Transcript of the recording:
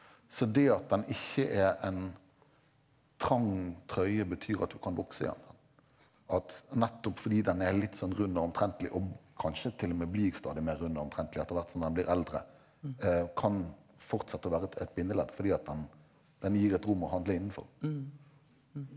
så det at den ikke er en trang trøye betyr at du kan vokse i han da at nettopp fordi den er litt sånn rund og omtrentlig og kanskje t.o.m. blir stadig mer rund og omtrentlig etter hvert som den blir eldre kan fortsette å være et et bindeledd fordi at den den gir et rom å handle innenfor.